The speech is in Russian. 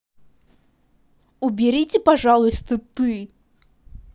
уберите пожалуйста ты